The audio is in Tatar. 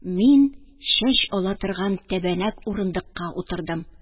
Мин чәч ала торган тәбәнәк урындыкка утырдым.